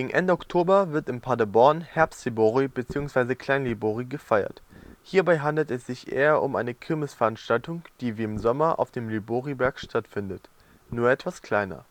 Ende Oktober wird in Paderborn Herbstlibori bzw. Kleinlibori gefeiert. Hierbei handelt es sich eher um eine Kirmesveranstaltung, die wie im Sommer auf dem Liboriberg stattfindet, nur etwas kleiner